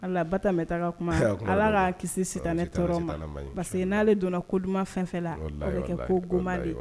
Hali bamɛ kuma ala k'a kisi sitanɛ tɔɔrɔ ma parceseke n'ale donna ko dumanuma fɛnfɛla a kɛ ko koma de ye